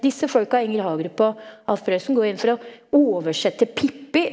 disse folka, Inger Hagerup og Alf Prøysen går jo inn for å oversette Pippi.